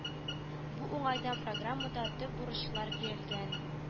Бу уңайдан программада төп бурычлар биреләнгән